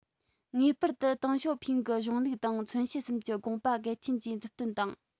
ངེས པར དུ ཏིང ཞའོ ཕིང གི གཞུང ལུགས དང མཚོན བྱེད གསུམ གྱི དགོངས པ གལ ཆེན གྱིས མཛུབ སྟོན དང